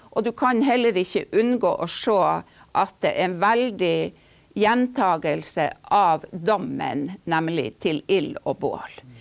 og du kan heller ikke unngå å se at det er en veldig gjentagelse av dommen, nemlig til ild og bål.